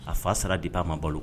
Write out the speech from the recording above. A fa sara di'a ma bolo